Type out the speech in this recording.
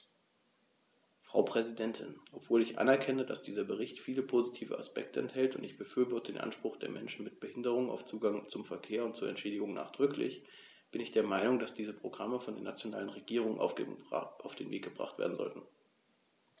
Frau Präsidentin, obwohl ich anerkenne, dass dieser Bericht viele positive Aspekte enthält - und ich befürworte den Anspruch der Menschen mit Behinderung auf Zugang zum Verkehr und zu Entschädigung nachdrücklich -, bin ich der Meinung, dass diese Programme von den nationalen Regierungen auf den Weg gebracht werden sollten.